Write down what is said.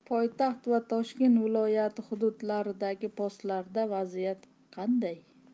poytaxt va toshkent viloyati hududlaridagi postlarda vaziyat qanday